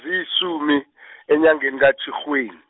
ziyisumi , enyangeni kaTjhirhweni.